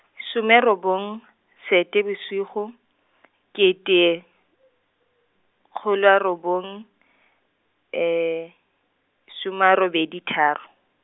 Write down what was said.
somerobong, Seetebosigo, kete, kgolo a robong, some a robedi tharo.